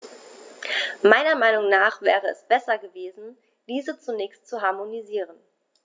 Meiner Meinung nach wäre es besser gewesen, diese zunächst zu harmonisieren.